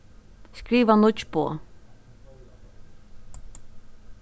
skriva nýggj boð